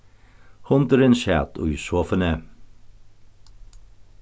hundurin sat í sofuni